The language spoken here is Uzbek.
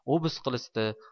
obis qilishdi